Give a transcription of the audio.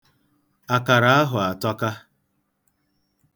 Akara ahụ atọka.